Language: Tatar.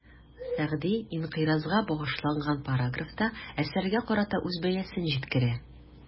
Сәгъди «инкыйраз»га багышланган параграфта, әсәргә карата үз бәясен җиткерә.